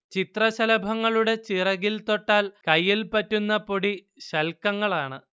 ചിത്രശലഭങ്ങളുടെ ചിറകിൽത്തൊട്ടാൽ കൈയിൽ പറ്റുന്ന പൊടി ശൽക്കങ്ങളാണ്